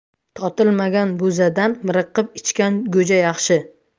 totilmagan bo'zadan miriqib ichgan go'ja yaxshi